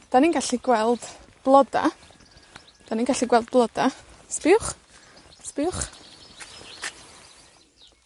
'Dan ni'n gallu gweld bloda, 'dan ni'n gallu gweld bloda', sbïwch, sbïwch.